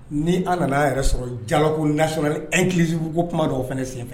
Ni an nana yɛrɛ sɔrɔ ja ko lasɔrɔ e kilisisubugu ko kuma dɔw o fana ne senfɛ